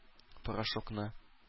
Порошокны